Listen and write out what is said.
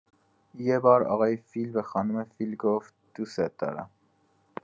یه بار آقای فیل به خانوم فیل گفت دوستت دارم.